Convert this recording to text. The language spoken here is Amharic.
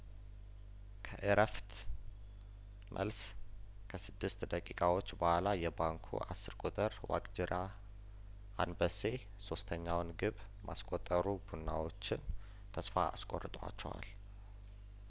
ከእረፍት መልስ ከስድስት ደቂቃዎች በኋላ የባንኩ አስር ቁጥር ዋቅጅራ አንበሴ ሶስተኛውን ግብ ማስቆጠሩ ቡናዎችን ተስፋ አስቆርጧቸዋል